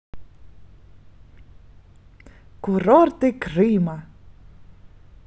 курорты крыма